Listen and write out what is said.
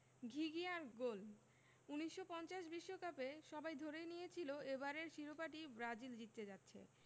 ঘিঘিয়ার goal ১৯৫০ বিশ্বকাপে সবাই ধরেই নিয়েছিল এবারের শিরোপাটি ব্রাজিল জিততে যাচ্ছে